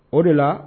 O de la